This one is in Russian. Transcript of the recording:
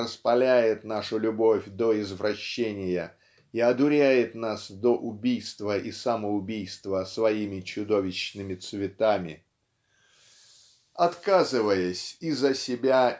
распаляет нашу любовь до извращения и одуряет нас до убийства и самоубийства своими чудовищными цветами? Отказываясь и за себя